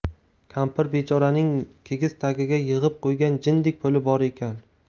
kampir bechoraning kigiz tagiga yig'ib qo'ygan jindek puli bor ekan